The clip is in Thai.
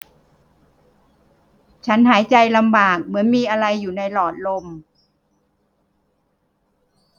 ฉันหายใจลำบากเหมือนมีอะไรอยู่ในหลอดลม